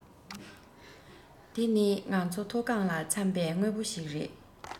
འདི ནི ང ཚོ འཐོ སྒང ལ འཚམས པས དངོས པོ ཞིག རེད